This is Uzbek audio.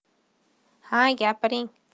ha gapiring